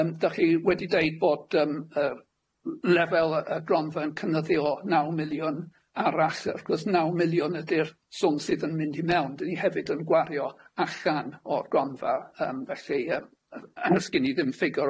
Yym dach chi wedi deud bod yym yy lefel yy yy gronfa yn cynyddio naw miliwn arall wrth gwrs naw miliwn ydi'r swm sydd yn mynd i mewn dan ni hefyd yn gwario allan o'r gronfa yym felly yym yy os gin i ddim ffigur